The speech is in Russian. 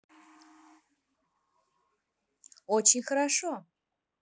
очень хорошо